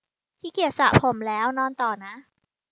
ขี้เกียจสระผมแล้วนอนต่อนะ